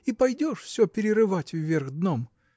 и пойдешь все перерывать вверх дном!